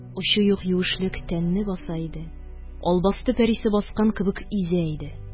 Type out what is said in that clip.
Очы юк юешлек тәнне баса иде, албасты пәрисе баскан кебек изә иде.